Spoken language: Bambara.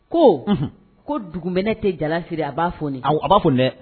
Koo unhun ko dugumɛnɛ tɛ jala siri a b'a fɔnin awɔ a b'a fɔni dɛɛ